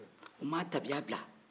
u ma tabiya bila